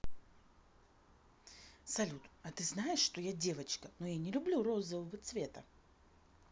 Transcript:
салют а ты знаешь что я девочка но я не люблю розового цвета